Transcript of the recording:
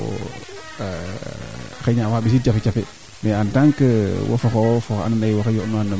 keeke yiin plastique fu refna o yipin kam suqi fee soo mbaxti kin ande kaaga kaa yaqaa o qol laa